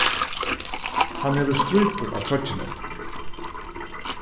hann hevur strípur á troyggjuni